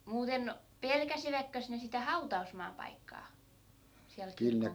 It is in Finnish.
muuten pelkäsivätkös ne sitä hautausmaanpaikkaa siellä kirkon